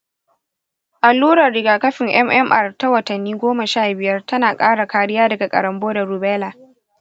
allurar rigakafin mmr ta watanni goma sha biyar tana ƙara kariya daga karonbo da rubella.